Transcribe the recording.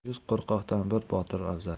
yuz qo'rqoqdan bir botir afzal